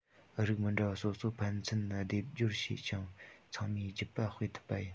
རིགས མི འདྲ བ སོ སོ ཕན ཚུན སྡེབ སྦྱོར བྱས ཀྱང ཚང མས རྒྱུད པ སྤེལ ཐུབ པ ཡིན